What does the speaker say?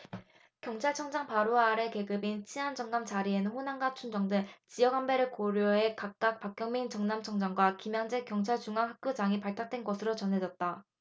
경찰청장 바로 아래 계급인 치안정감 자리에는 호남과 충청 등 지역 안배를 고려해 각각 박경민 전남청장과 김양제 경찰중앙학교장이 발탁된 것으로 전해졌다